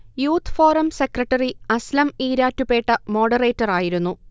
youth forum secretary Aslam Erattupetta moderator ആയിരുന്നു